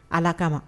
Ala kama.